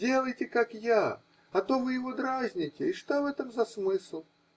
Делайте, как я, а то вы его дразните, и что в этом за смысл?